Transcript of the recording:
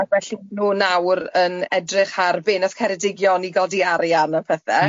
Ac felly ma nhw nawr yn edrych ar be nath Ceredigion i godi arian a pethe... M-hm.